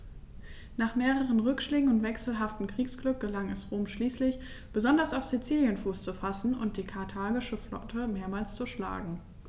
Nach mehreren Rückschlägen und wechselhaftem Kriegsglück gelang es Rom schließlich, besonders auf Sizilien Fuß zu fassen und die karthagische Flotte mehrmals zu schlagen.